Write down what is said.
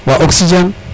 wa oxigéne